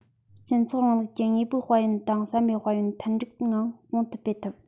སྤྱི ཚོགས རིང ལུགས ཀྱི དངོས པོའི དཔལ ཡོན དང བསམ པའི དཔལ ཡོན མཐུན འགྲིག ངང གོང དུ སྤེལ ཐུབ